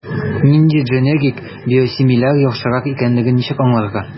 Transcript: Нинди дженерик/биосимиляр яхшырак икәнлеген ничек аңларга?